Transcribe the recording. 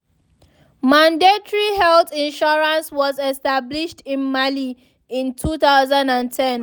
Mandatory health insurance was established in Mali in 2010.